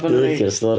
Dwi'n licio'r stori.